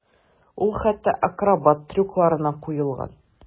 Ул хәтта акробат трюкларына куелган.